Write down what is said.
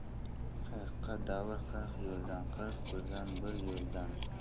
qirqqa davr qirq yo'ldan qirq birdan bir yo'ldan